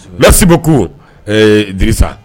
Bɛsibe ko disa